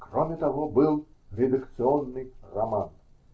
кроме того, был "редакционный роман".